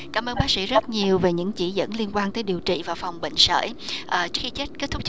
cảm ơn bác sĩ rất nhiều về những chỉ dẫn liên quan tới điều trị và phòng bệnh sởi à trước khi kết thúc